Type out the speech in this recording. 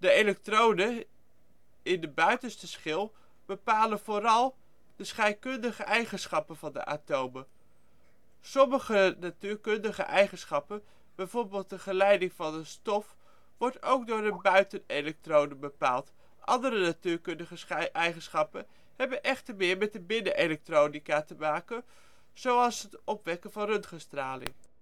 elektronen in de " buitenste schil " bepalen vooral de scheikundige eigenschappen van de atomen. Sommige natuurkundige eigenschappen (bijvoorbeeld de geleiding van een stof) worden ook door de buitenelektronen bepaald. Andere natuurkundige eigenschappen hebben echter meer met de binnenelektronen te maken, zoals het opwekken van röntgenstraling